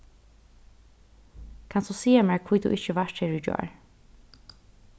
kanst tú siga mær hví tú ikki vart her í gjár